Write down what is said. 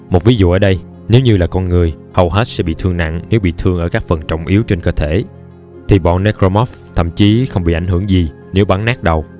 một thí dụ ở đây nếu như là con người hầu hết sẽ bị thương nặng nếu bị thương các phần trọng yếu trên cơ thể thì bọn necromorphs thậm chí không bị ảnh hưởng gì nếu bắn nát đầu